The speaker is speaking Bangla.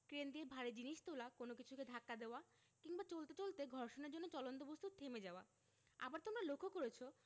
ক্রেন দিয়ে ভারী জিনিস তোলা কোনো কিছুকে ধাক্কা দেওয়া কিংবা চলতে চলতে ঘর্ষণের জন্য চলন্ত বস্তুর থেমে যাওয়া আবার তোমরা লক্ষ করেছ